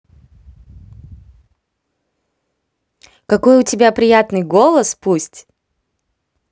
какой у тебя приятный голос пусть